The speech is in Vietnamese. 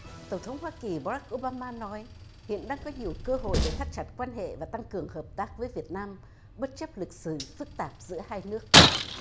tổng thống hoa kỳ ba rắc ô ba ma nói hiện đang có nhiều cơ hội để thắt chặt quan hệ và tăng cường hợp tác với việt nam bất chấp lịch sử phức tạp giữa hai nước